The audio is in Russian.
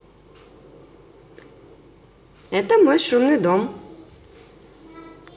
это мой шумный дом